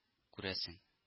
Күрәсең